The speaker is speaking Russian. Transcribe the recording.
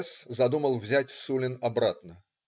С. задумал взять Сулин обратно.